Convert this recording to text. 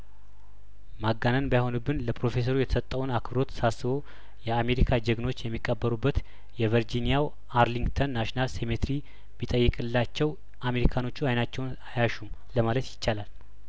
ማጋነን ባይሆንብን ለፕሮፌሰሩ የተሰጠውን አክብሮት ሳስበው የአሜሪካ ጀግኖች የሚቀብሩበት የቨርጂኒያው አርሊንግተን ናሽናል ሴሜትሪ ቢጠይቅላቸው አሜሪካኖቹ አይናቸውን አያሹም ለማለት ይቻላል